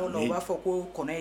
U b'a fɔ ko kɔɲɔ